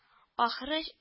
Ахры